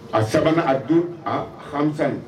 A 3 nan, han, a 5 khamisan